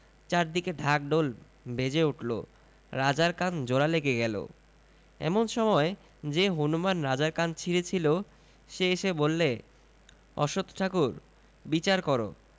চারদিকে ঢাক ঢোল বেজে উঠল রাজার কান জোড়া লেগে গেল এমন সময় যে হনুমান রাজার কান ছিঁড়েছিল সে এসে বললে অশ্বথ ঠাকুর বিচার কর